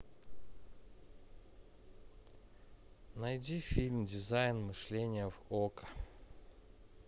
найди фильм дизайн мышления в окко